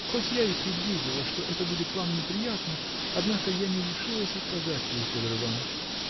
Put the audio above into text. Хоть я и предвидела, что это будет вам неприятно, однако я не решилась отказать ей, Федор Иваныч